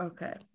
Ok.